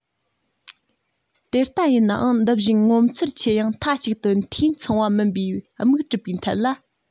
དེ ལྟ ཡིན ནའང འདི བཞིན ངོ མཚར ཆེ ཡང མཐའ གཅིག ཏུ འཐུས ཚང བ མིན པའི མིག གྲུབ པའི ཐད ལ